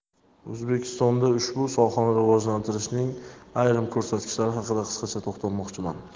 o'zbekistonda ushbu sohani rivojlantirishning ayrim ko'rsatkichlari haqida qisqacha to'xtalmoqchiman